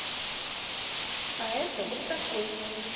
а это вот такой